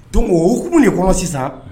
Don ok de kɔlɔsi sisan